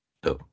Ydw.